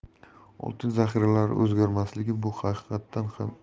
oltin zaxiralari o'zgarmasligi bu haqiqatdan ham